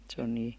se on niin